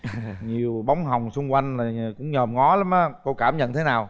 nhiều bóng hồng xung quanh cũng nhòm ngó lắm ớ cô cảm nhận thế nào